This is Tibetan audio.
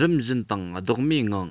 རིམ བཞིན དང ལྡོག མེད ངང